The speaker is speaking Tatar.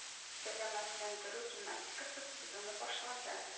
Сәламәтләндерү гимнастикасы сезоны башлады: